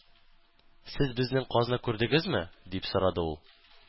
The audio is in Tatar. "сез безнең казны күрдегезме" дип сорады ул